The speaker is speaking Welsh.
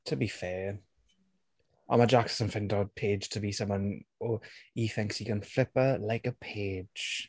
To be fair. Ond mae Jacques yn ffeindio Paige to be someone who, he thinks he can flip her like a page.